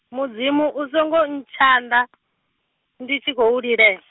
Mudzimu u songo ntshanda , ndi tshi khou lilela.